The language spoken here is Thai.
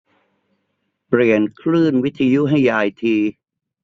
เปลี่ยนคลื่นวิทยุให้ยายที